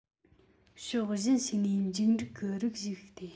ཕྱོགས གཞན ཞིག ནས འཇིགས འབྲུག གི རིགས ཤིག སྟེ